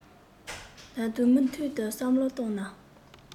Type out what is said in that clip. ད དུང མུ མཐུད དུ བསམ བློ བཏང ན